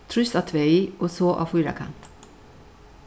trýst á tvey og so á fýrakant